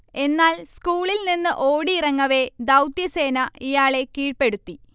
എന്നാൽ, സ്കൂളിൽനിന്ന് ഓടിയിറങ്ങവെ, ദൗത്യസേന ഇയാളെ കീഴ്പ്പെടുത്തി